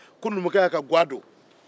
ko numukɛ y'a ka ga don